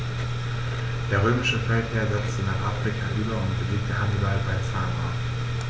Der römische Feldherr setzte nach Afrika über und besiegte Hannibal bei Zama.